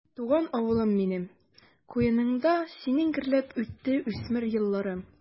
Туган авылым минем, куеныңда синең гөрләп үтте үсмер елларым.